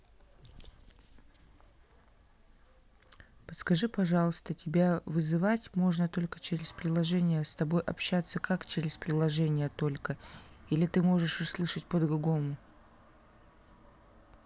подскажи пожалуйста тебя вызывать можно только через приложение с тобой общаться как через приложение только или ты можешь услышать по другому